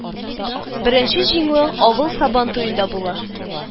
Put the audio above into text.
Беренче җиңүе авыл Сабантуенда була